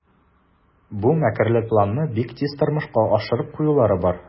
Бу мәкерле планны бик тиз тормышка ашырып куюлары бар.